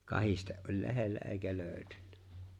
kahdesti oli lähellä eikä löytynyt